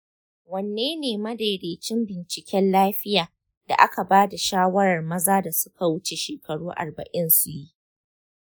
wanne ne madaidaicin binciken lafiya da aka ba da shawarar maza da suka wuce shekaru arba'in su yi?